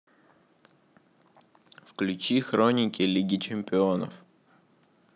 включи хроники лиги чемпионов